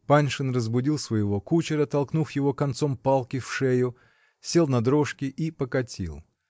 Паншин разбудил своего кучера, толкнув его концом палки в шею, сел на дрожки и покатил.